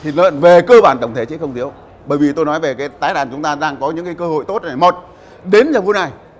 thịt lợn về cơ bản tổng thể chứ không thiếu bởi vì tôi nói về cái tái đàn chúng ta đang có những cơ hội tốt này một đến giờ phút này